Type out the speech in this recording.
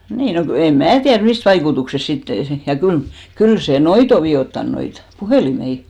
niin no kun en minä tiedä mistä vaikutuksesta sitten ja kyllä kyllä se noita on vioittanut noita puhelimia